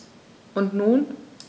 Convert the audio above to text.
Und nun?